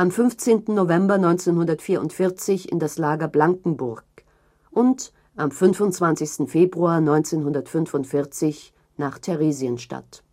15. November 1944 in das Lager Blankenburg und am 25. Februar 1945 nach Theresienstadt